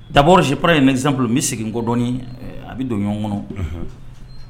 Dabɔrisip ye nezsan bɛ sigi kɔdɔni a bɛ don ɲɔgɔn kɔnɔ